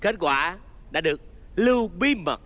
kết quả đã được lưu bí mật